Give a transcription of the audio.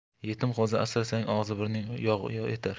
yetim qo'zi asrasang og'zi burning yog' etar